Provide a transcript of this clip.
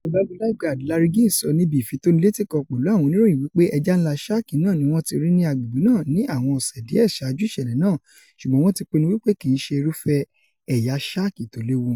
Ọ̀gágun Lifeguard LarrycGiles sọ níbi ìfitónilétí kan pẹ̀lú àwọn oníròyìn wípé ẹja ńlá sáàkì náà ni wọ́n ti rí ní agbègbè̀ náà ní àwọn ọ̀sẹ̀ díẹ̀ saájú ìṣẹ̀lẹ́ náà, ṣùgbọ́n wọ́n ti pinnu wípé kìí ṣe irufẹ́ ẹ̀yà sáàkì tó léwu.